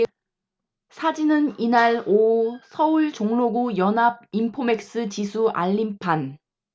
사진은 이날 오후 서울 종로구 연합인포맥스 지수 알림판